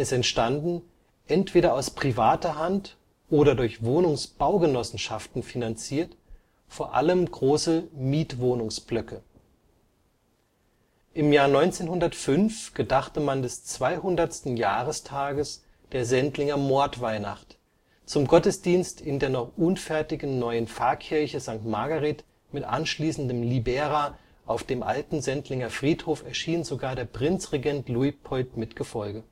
entstanden, entweder aus privater Hand oder durch Wohnungsbaugenossenschaften finanziert, vor allem große Mietwohnungsblöcke. Im Jahr 1905 gedachte man des 200. Jahrestages der Sendlinger Mordweihnacht, zum Gottesdienst in der noch unfertigen Neuen Pfarrkirche St. Margaret mit anschließendem Libera auf dem alten Sendlinger Friedhof erschien sogar der Prinzregent Luitpold mit Gefolge